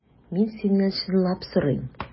Мин синнән чынлап сорыйм.